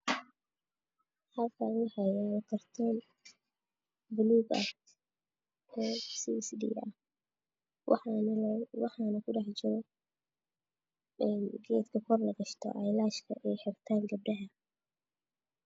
Halkaan waxaa yaalo kartoon buluug waxaa ku dhex jiro cilaajka xirtaan gabdho